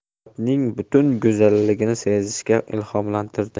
hayotning butun go'zalligini sezishga ilhomlantirdi